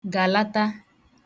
gàlata